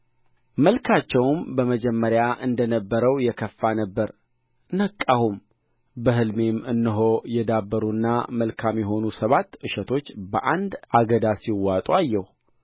መልካቸውም በመጀመሪያ እንደ ነበረው የከፋ ነበረ ነቃሁም በሕልሜም እነሆ የዳበሩና መልካም የሆኑ ሰባት እሸቶች በአንድ አገዳ ሲወጡ አየሁ